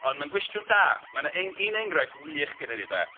Ond mae'n cwestiwn da. Mae 'na eng- un enghraifft wych gennyn ni 'de...